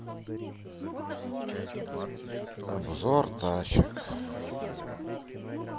обзор тачек